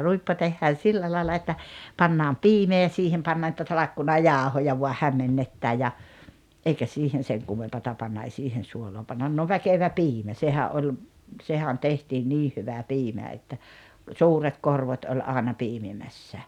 ruippo tehdään sillä lailla että pannaan piimää ja siihen pannaan niitä talkkunajauhoja vain hämmennetään ja eikä siihen sen kummempaa panna ei siihen suolaa panna no väkevä piimä sehän oli sehän tehtiin niin hyvä piimä että suuret korvot oli aina piimimässä